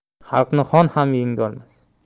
xalqni xon ham yengolmas